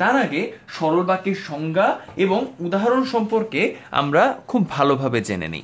তার আগে সরল বাক্যের সংজ্ঞা এবং উদাহরণ সম্পর্কে আমরা খুব ভালোভাবে জেনে নি